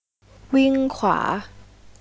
วิ่่งขวา